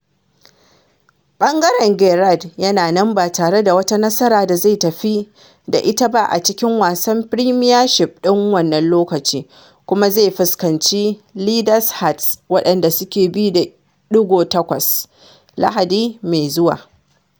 Ɓangaren Gerrard yana nan ba tare da wata nasara da zai ta fi da ita ba a cikin wasan Premiership ɗin wannan loƙacin kuma zai fuskanci Leaders Hearts, waɗanda suke bi da digo takwas, Lahadi mai zuwa.